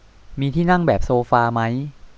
มีที่นั่งแบบโซฟามั้ย